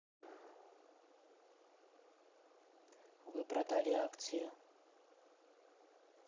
вы продали акцию